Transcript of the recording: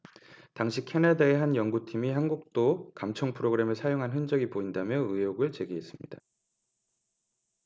당시 캐나다의 한 연구팀이 한국도 감청프로그램을 사용한 흔적이 보인다며 의혹을 제기했습니다